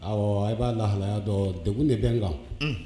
Awɔ, a ba lahalaya dɔn . Dekun de be n kan.